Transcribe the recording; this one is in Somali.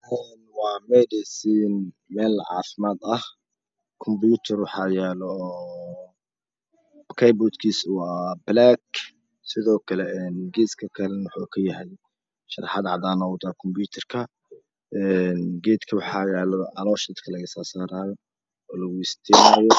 Een waa midasiin meel caafimaad ah kumbiitar waxaa yaalo oo keyboodhkiisa waa black sidoo kalena een geeska kalane waxuu kayahay sharaxaad cadaan ah uu wataa kumbitar een geedka waxaa yaalo caloosha dadka laga saarsaaraayo oo lagu waystiinaayo